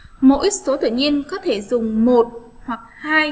mỗi số tự nhiên có thể dùng một hoặc hai